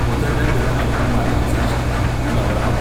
Hoton dandalin al'umma daga sashen kulawar Amurka.